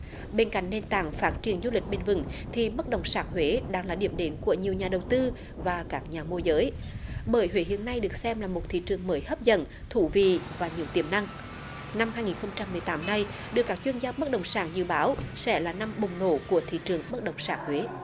bên cạnh nền tảng phát triển du lịch bền vững thì bất động sản huế đang là điểm đến của nhiều nhà đầu tư và các nhà môi giới bởi huế hiện nay được xem là một thị trường mới hấp dẫn thú vị và nhiều tiềm năng năm hai nghìn không trăm mười tám này được các chuyên gia bất động sản dự báo sẽ là năm bùng nổ của thị trường bất động sản huế